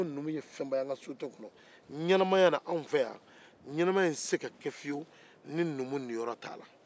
ɲɛnamaya te se ka ke fiyewu an fe yan ni numu niyɔrɔ t'a la